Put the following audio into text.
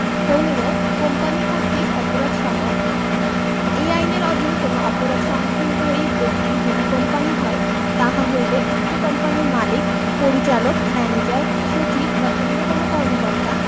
১৫ company কর্র্তক অপরাধ সংঘটনঃ এই আইনের অধীন কোন অপরাধ সংঘটনকারী ব্যক্তি যদি কোম্পানী হয় তাহা হইলে উক্ত কোম্পানীর মালিক পরিচালক ম্যানেজার সচিব বা অন্য কোন কর্মকর্তা